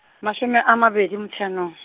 mashome a mabedi motse nong.